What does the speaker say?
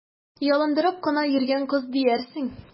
Ялындырып кына йөргән кыз диярсең!